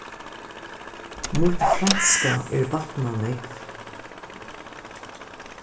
mítt franska er batnað nógv